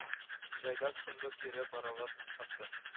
Җайдак шундук кире борылып чапты